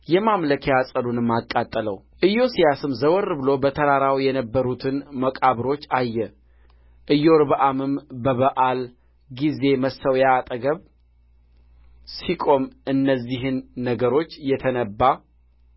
የማምለኪያ ዐፀዱንም አቃጠለው ኢዮስያስም ዘወር ብሎ በተራራው የነበሩትን መቃብሮች አየ ኢዮርብዓምም በበዓል ጊዜ በመሠዊያ አጠገብ ሲቆም እነዚህን ነገሮች የተነባ